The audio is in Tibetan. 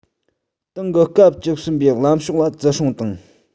ཏང གི སྐབས བཅུ གསུམ པའི ལམ ཕྱོགས ལ བརྩི སྲུང དང